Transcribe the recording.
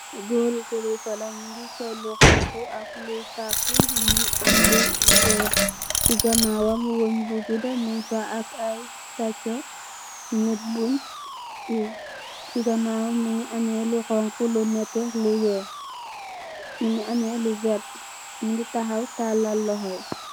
Gorri kilipha la mungy sol lu honhu ak lui taakue, mungy am lu wekh cii ganawam weungh bu gudah mung fa ak aiiy stature nitt bungh yyh, cii ganaw mungy ameh lu honhu, lu nehteh, lu wekh, mungy ameh lu vert, mungy takhaw tarlal lokhor yii.